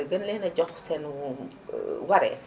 gën leen a jox seen wareef